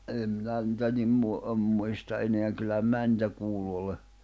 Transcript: minä en minä niitä niin - en muista enää kyllähän minä niitä kuullut olen